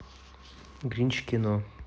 гринч кино